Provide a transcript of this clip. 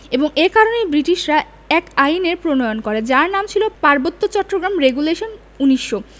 এবং এ কারণেই বৃটিশরা এক আইন প্রণয়ন করে যার নাম ছিল পার্বত্য চট্টগ্রাম রেগুলেশন ১৯০০